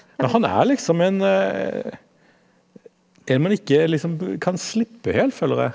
ja han er liksom en en man ikke liksom kan slippe helt, føler jeg.